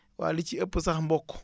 waa li ci ëpp sax mboq